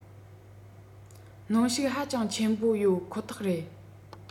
གནོན ཤུགས ཧ ཅང ཆེན པོ ཡོད ཁོ ཐག རེད